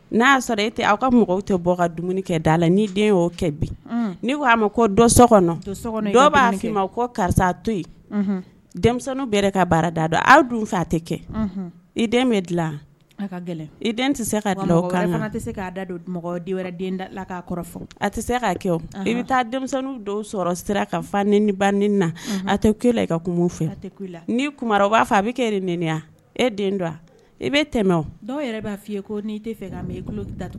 N'a y'a sɔrɔ e tɛ aw ka mɔgɔw tɛ bɔ ka dumuni kɛ d' la kɛ'a ma so'a karisa to ka dɔn aw dun tɛ kɛ i den bɛ dila tɛ wɛrɛ la a tɛ se k' kɛ i bɛ taa dɔw sɔrɔ sera ka fa ni ba na a tɛ i ka fɛ b'a fɔ a bɛ kɛya e don i bɛ tɛmɛ dɔw b' f fɔ i ye n' fɛ